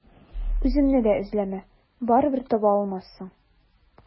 Үземне дә эзләмә, барыбер таба алмассың.